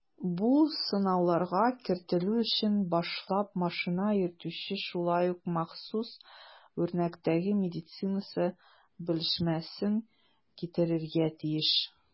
Бу сынауларга кертелү өчен башлап машина йөртүче шулай ук махсус үрнәктәге медицинасы белешмәсен китерергә тиеш.